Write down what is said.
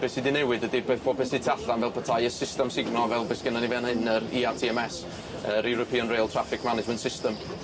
Be' sy 'di newid ydi beth pob peth sy tu allan fel petai y system signal fel be' sgynnon ni fan hyn yr Ee Are Tee Em Ess yr European Rail Traffic Management System.